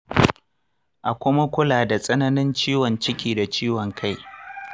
a kuma kula da tsananin ciwon ciki da ciwon kai.